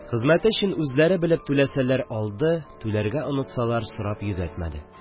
Хезмәте өчен үзләре белеп түләсәләр – алды, түләргә онытсалар – сорап йөдәтмәде.